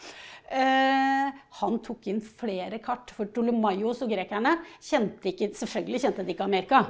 han tok inn flere kart, for Ptolemaios og grekerne kjente ikke, selvfølgelig kjente de ikke Amerika.